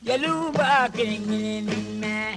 Jeliw b'a kɛ kelen mɛn